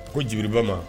Koba ma